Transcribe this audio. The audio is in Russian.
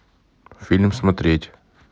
фильм смотреть